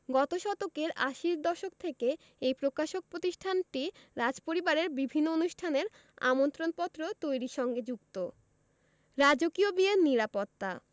গত শতকের আশির দশক থেকে এই প্রকাশক প্রতিষ্ঠানটি রাজপরিবারের বিভিন্ন অনুষ্ঠানের আমন্ত্রণপত্র তৈরির সঙ্গে যুক্ত রাজকীয় বিয়ের নিরাপত্তা